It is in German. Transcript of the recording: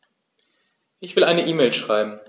Ich will eine E-Mail schreiben.